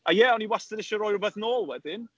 A ie, o'n i wastad isie roi rywbeth nôl wedyn.